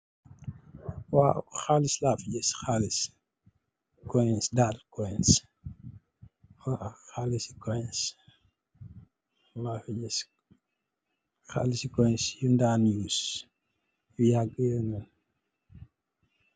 Xalis la fi gis, xalis su koys dal, yun dan jafadiko bu yaga.